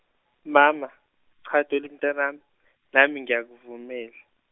mama, cha Dolly mntanami, nami ngiyakuvumela.